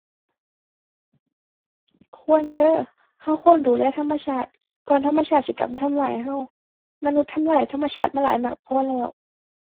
ควรเด้อ เราควรดูแลธรรมชาติ ก่อนธรรมชาติสิกลับมาทำร้ายเรา มนุษย์ทำร้ายธรรมชาติมาหลายมากพอแล้ว